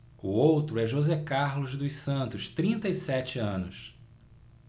o outro é josé carlos dos santos trinta e sete anos